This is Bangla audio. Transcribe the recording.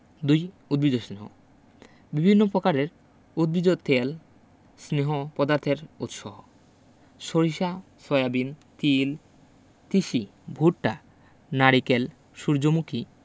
২ উদ্ভিজ্জ স্নেহ বিভিন্ন প্রকারের উদ্ভিজ তেল স্নেহ পদার্থের উৎস সরিষা সয়াবিন তিল তিসি ভুট্টা নারকেল সুর্যমুখী